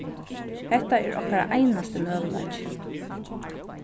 hetta er okkara einasti møguleiki